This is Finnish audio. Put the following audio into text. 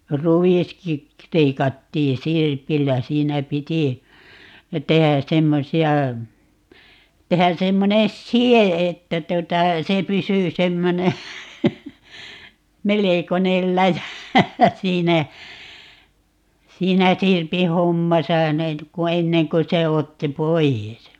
ruiskin leikattiin sirpillä siinä piti tehdä semmoisia tehdä semmoinen side että tuota se pysyi semmoinen melkoinen läjä siinä siinä sirpin hommassa ne kun ennen kuin se otti pois